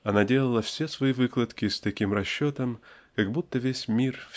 она делала все свои выкладки с таким расчетом как будто весь мир